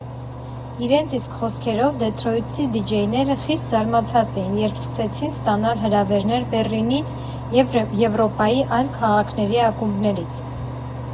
Իրենց իսկ խոսքերով, դեթրոյթցի դիջեյները խիստ զարմացած էին, երբ սկսեցին ստանալ հրավերներ Բեռլինից և Եվրոպայի այլ քաղաքների ակումբներից։